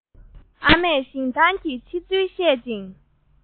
ཨ མས ཞིང ཐང གི ཆེ ཚུལ བཤད ཅིང